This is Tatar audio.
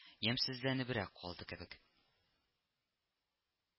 Ямьсезләнебрәк калды кебек